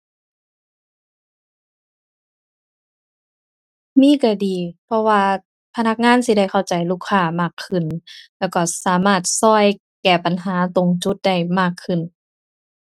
มีก็ดี เพราะว่าพนักงานสิได้เข้าใจลูกค้ามากขึ้น แล้วก็สามารถก็แก้ปัญหาตรงจุดได้มากขึ้น